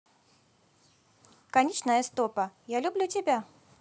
конечно estopa я люблю тебя